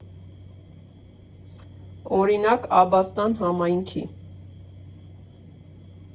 Օրինակ՝ Աբաստան համայնքի։